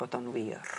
bod o'n wir.